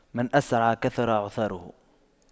من أسرع كثر عثاره